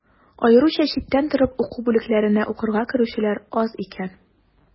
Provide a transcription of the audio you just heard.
Аеруча читтән торып уку бүлекләренә укырга керүчеләр аз икән.